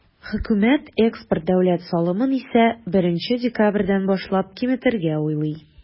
Хөкүмәт экспорт дәүләт салымын исә, 1 декабрьдән башлап киметергә уйлый.